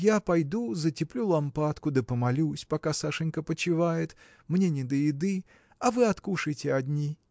я пойду затеплю лампадку да помолюсь, пока Сашенька почивает мне не до еды а вы откушайте одни.